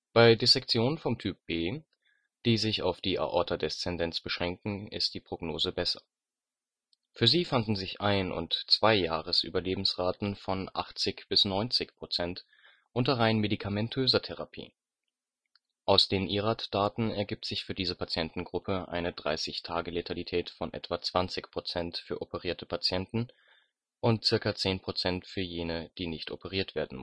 Bei Dissektionen vom Typ B, die sich auf die Aorta descendens beschränken, ist die Prognose besser. Für sie fanden sich Ein - und Zwei-Jahres-Überlebensraten von 80 – 90 % unter rein medikamentöser Therapie. Aus den IRAD-Daten ergibt sich für diese Patientengruppe eine 30-Tage-Letalität von etwa 20 % für operierte Patienten und circa zehn Prozent für jene, die nicht operiert werden